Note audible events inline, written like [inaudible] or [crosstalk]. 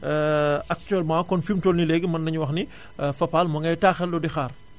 [hesitation] actuellement kon fi mu toll nii léegi mën nañu wax ni [hesitation] Fapal moo ngay taaxirlu di xaar